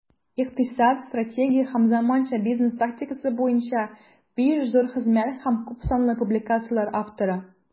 Икътисад, стратегия һәм заманча бизнес тактикасы буенча 5 зур хезмәт һәм күпсанлы публикацияләр авторы.